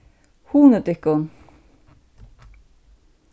hugnið tykkum